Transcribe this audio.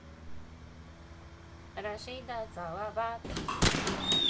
рашида салават